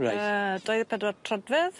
Reit. Yy dau ddeg pedwar trodfedd.